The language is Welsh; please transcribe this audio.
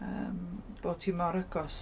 yym, bod hi mor agos.